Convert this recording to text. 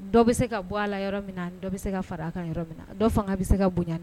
Dɔw bɛ se ka bɔ a la yɔrɔ min na dɔw bɛ se ka fara a kan yɔrɔ min na dɔ fanga bɛ se ka bo